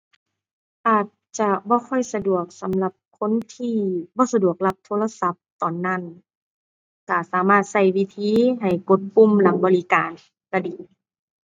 อาจจะบ่ค่อยสะดวกสำหรับคนที่บ่สะดวกรับโทรศัพท์ตอนนั้น ก็สามารถก็วิธีให้กดปุ่มหลังบริการก็ดี